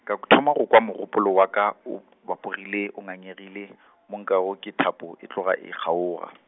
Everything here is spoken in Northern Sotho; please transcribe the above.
ka ko thoma go kwa mogopolo wa ka, o bapogile o ngangegile, mo nkwago ke thapo e tloga e kgaoga.